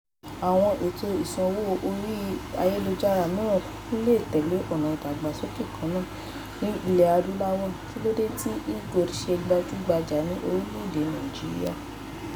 Àwọn ètò ìṣanwó orí ayélujára mìíràn kúkú lè tẹ̀lé ọ̀nà ìdàgbàsókè kan náà, ní ilẹ̀ Adúláwọ̀: Kílódé tí e-gold ṣe gbajúgbajà ní orílẹ̀-èdè Nigeria?